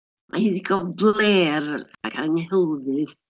Mae hi'n ddigon blêr ac anghelfydd.